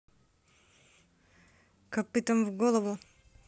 копытом в голову